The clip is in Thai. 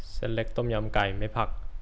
เส้นเล็กต้มยำไก่ไม่ผัก